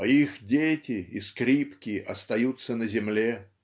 а их дети и скрипки остаются на земле.